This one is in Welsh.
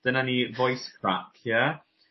dyna ni voice crack ie?